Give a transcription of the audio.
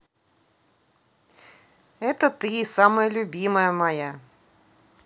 это ты самая любимая моя